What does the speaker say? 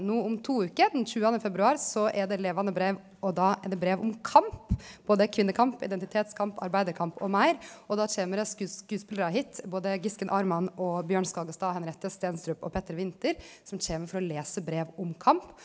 nå om to veker 22. februar så er det Levende brev og da er det brev om kamp, både kvinnekamp, identitetskamp, arbeidarkamp og meir, og da kjem det skodespelarar hit både Gisken Armand og Bjørn Skagestad og Henriette Stenstrup og Petter Winther som kjem for å lese brev om kamp.